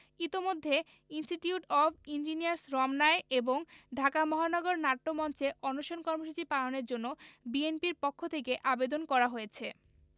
ইতোমধ্যে Institute of Engineers রমনায় এবং ঢাকা মহানগর নাট্যমঞ্চে অনশন কর্মসূচি পালনের জন্য বিএনপির পক্ষ থেকে আবেদন করা হয়েছে